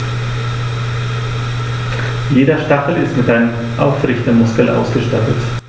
Jeder Stachel ist mit einem Aufrichtemuskel ausgestattet.